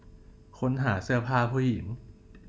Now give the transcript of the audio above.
ค้นหาเสื้อผ้าผู้หญิง